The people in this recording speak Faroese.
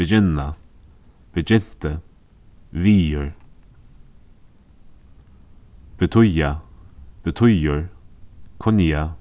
begynna begynti veður betýða betýðir kunna